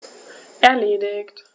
Erledigt.